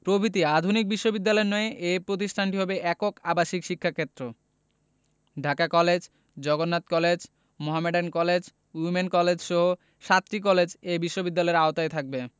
প্রভৃতি আধুনিক বিশ্ববিদ্যালয়ের ন্যায় এ প্রতিষ্ঠানটি হবে একক আবাসিক শিক্ষাক্ষেত্র Dhaka college Jagannath college Mohammedan college women's কলেজসহ সাতটি কলেজ এ বিশ্ববিদ্যালয়ের আওতায় থাকবে